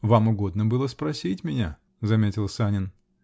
-- Вам угодно было спросить меня, -- заметил Санин.